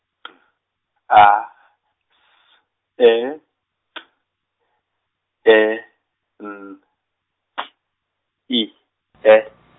B, A, S, E, B, E, N, T, I, E.